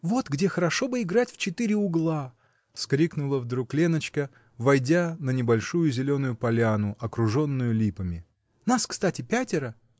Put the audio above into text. -- Вот где хорошо бы играть в четыре угла, -- вскрикнула вдруг Леночка, войдя на небольшую зеленую поляну, окруженную липами, -- нас, кстати, пятеро.